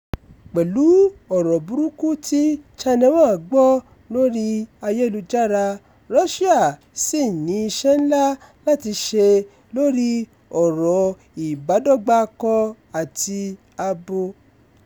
Pẹ̀lú ọ̀rọ̀ burúkú tí Channel One gbọ́ lórí ayélujára, Russia sì ní iṣẹ́ ńlá láti ṣe lórí ọ̀rọ̀ ìbádọ́gbà akọ àti abo.